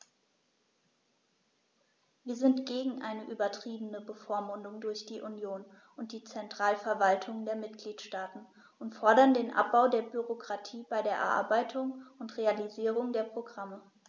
Wir sind gegen eine übertriebene Bevormundung durch die Union und die Zentralverwaltungen der Mitgliedstaaten und fordern den Abbau der Bürokratie bei der Erarbeitung und Realisierung der Programme.